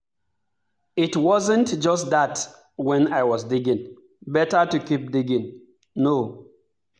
It wasn't just that when I was digging, better to keep digging, no.